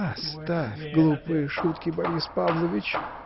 — Оставь глупые шутки, Борис Павлович!